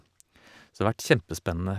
Så det har vært kjempespennende.